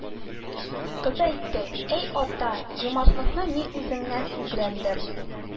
Кызы әйтте: «Әй ата, җумартлыкны мин үзеңнән үгрәндем